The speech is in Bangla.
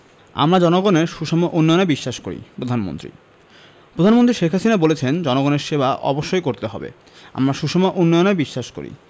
আমরা জনগণের সুষম উন্নয়নে বিশ্বাস করি প্রধানমন্ত্রী প্রধানমন্ত্রী শেখ হাসিনা বলেছেন জনগণের সেবা অবশ্যই করতে হবে আমরা সুষম উন্নয়নে বিশ্বাস করি